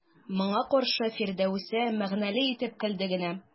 Моңа каршы Фирдәүсә мәгънәле итеп көлде генә.